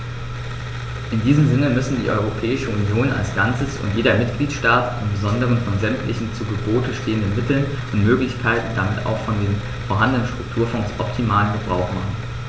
In diesem Sinne müssen die Europäische Union als Ganzes und jeder Mitgliedstaat im Besonderen von sämtlichen zu Gebote stehenden Mitteln und Möglichkeiten und damit auch von den vorhandenen Strukturfonds optimalen Gebrauch machen.